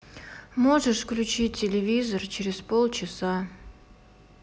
можешь выключить телевизор через полчаса